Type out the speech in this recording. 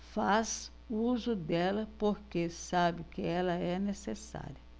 faz uso dela porque sabe que ela é necessária